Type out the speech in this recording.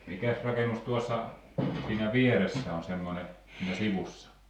mikäs rakennus tuossa siinä vieressä on semmoinen siinä sivussa